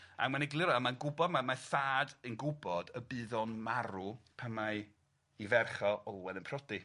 A mae'n egluro a mae'n gwybod ma' mae'r thad yn gwbod y bydd o'n marw pan mae 'i ferch o Olwen yn prodi.